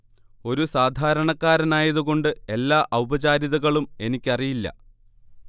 ഒരു സാധാരണക്കാരനായത് കൊണ്ട് എല്ലാ ഔപചാരികതകളും എനിക്കറിയില്ല